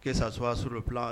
' sa su sur bila